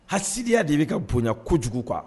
Hasiya de bɛ ka bonya kojugu kuwa